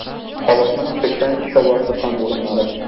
Халыкның печән чаба торган урыннары.